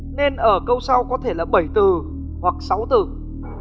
nên ở câu sau có thể là bẩy từ hoặc sáu từ